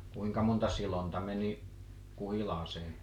kuinka monta sidonta meni kuhilaaseen